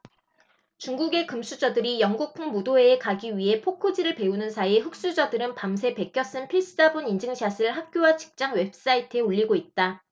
중국의 금수저들이 영국풍 무도회에 가기 위해 포크질을 배우는 사이 흑수저들은 밤새 베껴 쓴 필사본 인증샷을 학교와 직장 웹사이트에 올리고 있다